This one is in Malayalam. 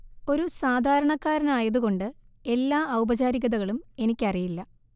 ഒരു സാധാരണക്കാരനായത് കൊണ്ട് എല്ലാ ഔപചാരികതകളും എനിക്കറിയില്ല